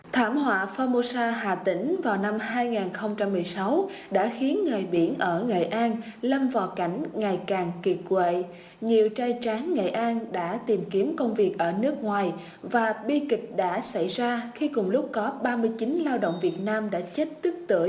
thảm họa pho mô sa hà tĩnh vào năm hai nghìn không trăm mười sáu đã khiến nghề biển ở nghệ an lâm vào cảnh ngày càng kiệt quệ nhiều trai tráng nghệ an đã tìm kiếm công việc ở nước ngoài và bi kịch đã xảy ra khi cùng lúc có ba mươi chín lao động việt nam đã chết tức tưởi